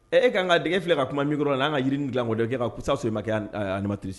E ka kan ka dɛgɛ filɛ ka kuma minkɔrɔ la n'an ka hakiliiri nin dilankɔjɔ ka kusa so matirisi